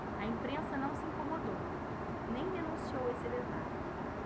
a imprensa não se incomodou nem denunciou esse detalhe